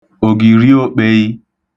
ògìriōkpēī